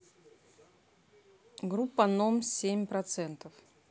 группа ном семь процентов